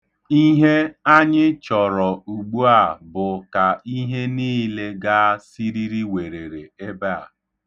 Ihe anyị chọrọ ugbua bụ ka ihe niile gaa siririwerere ebe a.